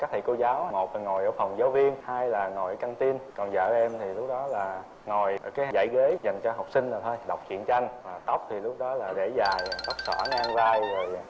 các thầy cô giáo một là ngồi ở phòng giáo viên hai là ngồi ở căng tin còn vợ em thì lúc đó là ngồi ở cái dãy ghế dành cho học sinh này thôi đọc truyện tranh và tóc thì lúc đó là để dài tóc xõa ngang vai